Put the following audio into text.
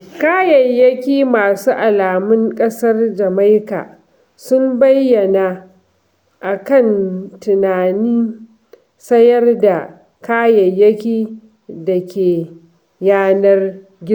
Kayayyaki masu alamun ƙasar Jamaika sun bayyana a kantinan sayar da kayayyaki da ke yanar gizo,